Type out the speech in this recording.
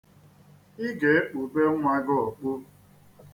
Ị ga-ekpube nnwa gị okpu.